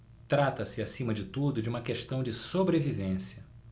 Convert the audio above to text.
trata-se acima de tudo de uma questão de sobrevivência